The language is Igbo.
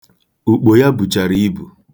Ukpo ya buchara ibu.